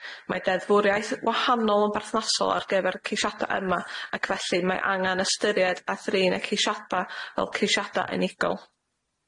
Mae deddfwriaeth wahanol yn berthnasol ar gyfer y ceisiada' yma ac felly mae angan ystyried a thrin y ceisiada' fel ceisiada' unigol.